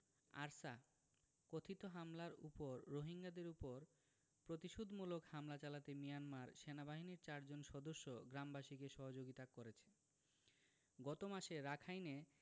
ARSA কথিত হামলার ওপর রোহিঙ্গাদের ওপর প্রতিশোধমূলক হামলা চালাতে মিয়ানমার সেনাবাহিনীর চারজন সদস্য গ্রামবাসীকে সহযোগিতা করেছে গত মাসে রাখাইনে